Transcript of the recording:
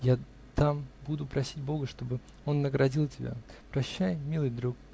я там буду просить Бога, чтобы он наградил тебя. Прощай, милый друг